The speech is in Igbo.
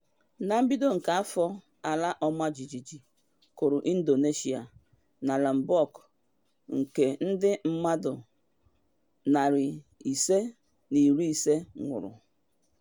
Na mbido nke afọ ala ọmajiji kụrụ Indonesia na Lombok nke ndị mmadụ 550 nwụrụ.